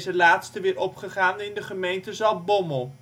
laatste weer opgegaan in de gemeente Zaltbommel